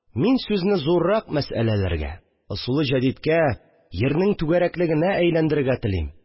Мин сүзне зуррак мәсьәләләргә, ысулы җәдидкә, йирнең түгәрәклегенә әйләндерергә телим